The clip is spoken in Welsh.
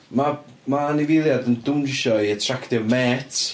Ma' ma' anifeiliaid yn dawnsio i atractio mates.